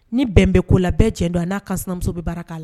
Ni bɛn be ko la bɛɛ cɛ don a n'a kansinamuso be baara k'a la